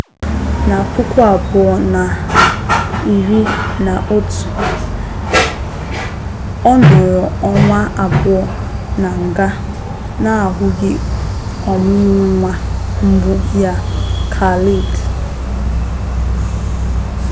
Na 2011, ọ nọrọ ọnwa abụọ na nga, na-ahụghị ọmụmụ nwa mbụ ya, Khaled.